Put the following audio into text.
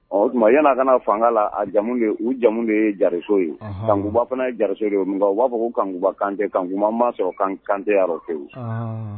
Ɔ o tuma yan kana fanga la jamu de u jamu de ye jaso ye kankuba fana ye araso ye u b'a fɔ ko kankuba kante kanku ma sɔrɔ kan kante fɛ o